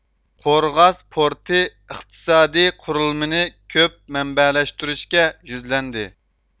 قورغاس پورتى ئىقتىسادىي قۇرۇلمىنى كۆپ مەنبەلەشتۈرۈشكە يۈزلەندى